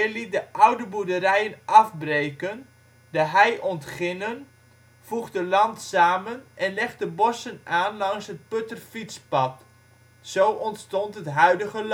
liet de oude boerderijen afbreken, de hei ontginnen, voegde land samen en legde bossen aan langs het Putter fietspad, zo ontstond het huidige